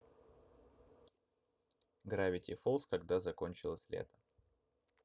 гравити фолз когда закончилось лето